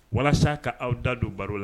Walasa ka aw da don baro la.